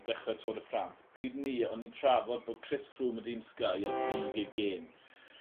dechre Tour de France. Pryd 'ny o'n i'n trafod bod Chris Froome o dîm Sky ar frig ei gêm.